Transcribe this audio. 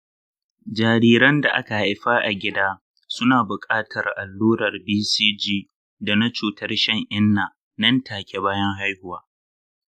jariran da aka haifa a gida suna bukatar allurar bcg da na cutar shan-inna nan take bayan haihuwa.